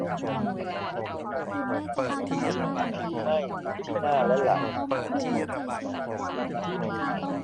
ผิวไหม้ที่หน้าและหลัง